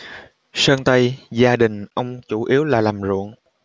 sơn tây gia đình ông chủ yếu là làm ruộng